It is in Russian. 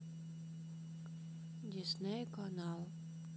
дисней канал